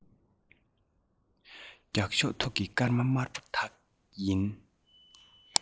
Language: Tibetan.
རྒྱུགས ཤོག ཐོག གི སྐར མ དམར པོ དག ཡིན